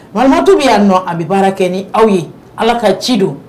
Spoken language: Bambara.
Manmatu bɛ y'a nɔ a bɛ baara kɛ ni aw ye ala ka ci don